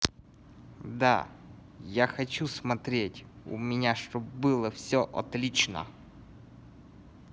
да я хочу смотреть у меня чтобы было все отлично